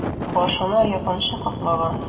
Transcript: Башына япанча каплаган...